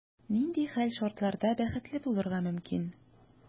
Нинди хәл-шартларда бәхетле булырга мөмкин?